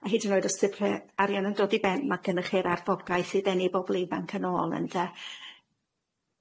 A hyd yn oed os ydi'r pre- arian yn dod i ben ma' gynnych yr arfogaeth i ddenu bobl ifanc yn ôl ynde?